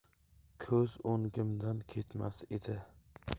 ko'z o'ngimdan ketmas edi